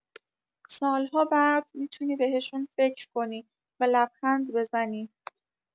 سال‌ها بعد می‌تونی بهشون فکر کنی و لبخند بزنی.